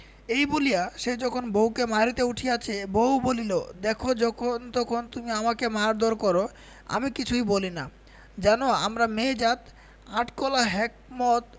এই বলিয়া সে যখন বউকে মারিতে উঠিয়াছে বউ বলিল দেখ যখনতখন তুমি আমাকে মারধর কর আমি কিছুই বলি না জান আমরা মেয়ে জাত আট কলা হেকমত